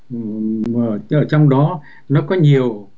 mà trong đó nó có nhiều